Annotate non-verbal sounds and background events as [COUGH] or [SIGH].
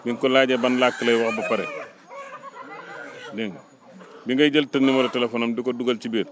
bi nga ko laajee ban làkk lay wax ba pare [NOISE] dégg nga bi ngay jël te numéro téléphone am di ko dugal ci biir